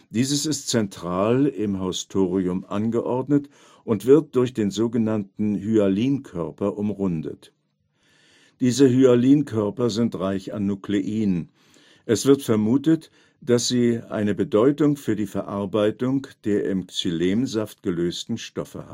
Dieses ist zentral im Haustorium angeordnet und wird durch den sogenannten Hyalinkörper umrundet. Diese Hyalinkörper sind reich an Nuklein, es wird vermutet, dass er eine Bedeutung für die Verarbeitung der im Xylemsaft gelösten Stoffe